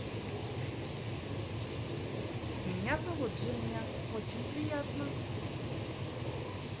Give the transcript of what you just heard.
меня зовут женя очень приятно